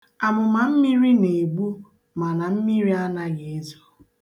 Amụmammiri na-egbu mana mmiri anaghị ezo.